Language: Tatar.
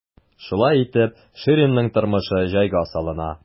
Шулай итеп, Ширинның тормышы җайга салына.